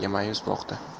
bilan menga ma'yus boqdi